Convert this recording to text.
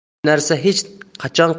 uch narsa hech qachon